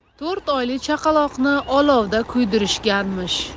to'rt oyli chaqaloqni olovda kuydirishganmish